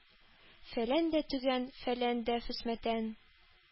Фәлән дә төгән, фәлән дә фәсмәтән...